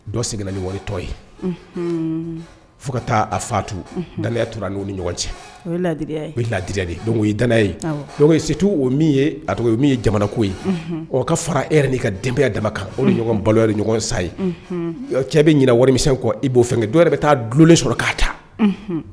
Dɔ seginna ni waritɔ ye fo ka taa a fatu nanya tora n'o ni ɲɔgɔn cɛdi o ladi de ye ye dala ye situ o ye min ye jamanako ye o ka fara e yɛrɛ n'i ka denbayaya dama kan o ɲɔgɔn balo ni ɲɔgɔn ye sa ye cɛ bɛ ɲini wari mi kɔ i b'o fɛn kɛ dɔwɛrɛ yɛrɛ bɛ taa dulonlen sɔrɔ k'a ta